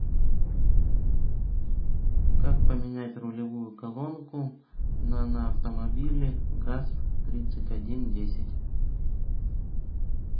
как поменять рулевую колонку на на автомобиле газ тридцать один десять